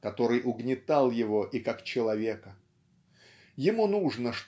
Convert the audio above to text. который угнетал его и как человека. Ему нужно